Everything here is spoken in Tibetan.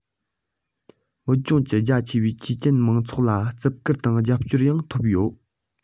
བོད ལྗོངས ཀྱི རྒྱ ཆེ བའི ཆོས ཅན མང ཚོགས ལ བརྩི བཀུར དང རྒྱབ སྐྱོར ཡང ཐོབ ཡོད